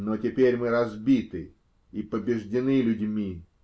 Но теперь мы разбиты и побеждены людьми.